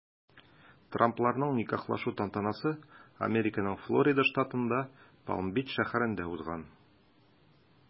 Трампларның никахлашу тантанасы Американың Флорида штатында Палм-Бич шәһәрендә узган.